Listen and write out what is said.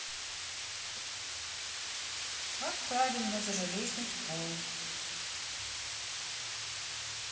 как правильно зажелезнить пол